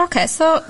Oce so